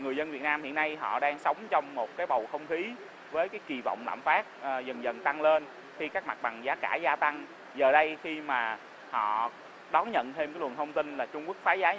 người dân việt nam hiện nay họ đang sống trong một cái bầu không khí với kỳ vọng lạm phát dần dần tăng lên khi các mặt bằng giá cả gia tăng giờ đây khi mà họ đón nhận thêm cái luồng thông tin là trung quốc phá giá